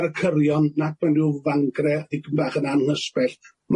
ar y cyrion nac mewn ryw fangre digon bach yn anhysbell,